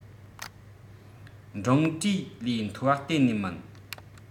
འབྲིང གྲས ལས མཐོ བ གཏན ནས མིན